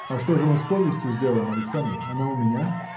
– А что же мы с повестью сделаем, Александр? Она у меня.